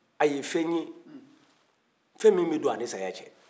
a ye fɛn ye fɛn min bɛ don a ni saya cɛ